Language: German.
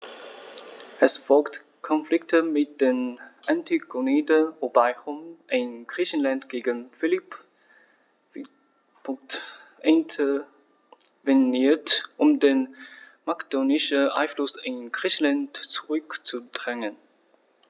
Es folgten Konflikte mit den Antigoniden, wobei Rom in Griechenland gegen Philipp V. intervenierte, um den makedonischen Einfluss in Griechenland zurückzudrängen.